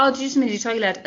O, dwi jyst yn mynd i'r toilet.